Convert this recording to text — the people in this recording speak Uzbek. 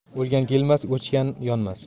o'lgan kelmas o'chgan yonmas